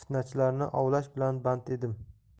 fitnachilarni ovlash bilan band edim